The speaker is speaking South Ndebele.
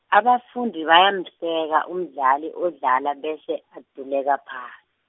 abafundi bayamhleka umdlali odlala bese aduleka phas-.